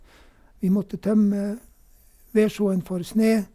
Vi måtte tømme vedskjoen for snø.